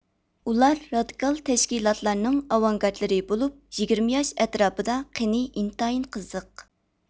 ئۇلار رادىكال تەشكىلاتلارنىڭ ئاۋانگارتلىرى بولۇپ يىگىرمە ياش ئەتراپىدا قېنى ئىنتايىن قىزىق